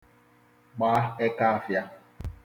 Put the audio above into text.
gba ekaafịā